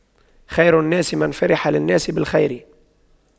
خير الناس من فرح للناس بالخير